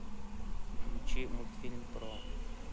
включи мультфильм про